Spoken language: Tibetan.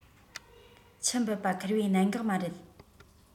ཆུ འབུད པ ཁེར བོའི གནད འགག མ རེད